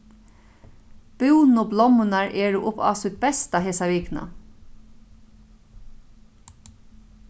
búnu blommurnar eru upp á sítt besta hesa vikuna